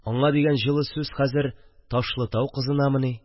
Аңа дигән җылы сүз хәзер Ташлытау кызынамыни